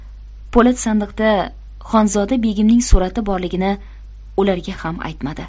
po'lat sandiqda xonzoda begimning surati borligini ularga ham aytmadi